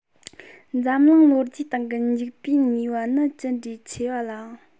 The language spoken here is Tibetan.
འཛམ གླིང ལོ རྒྱུས སྟེང གི འཇིག པའི ནུས པ ནི ཅི འདྲ ཆེ བ ལ ཨང